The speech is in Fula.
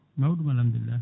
mawɗum alhamdulillahi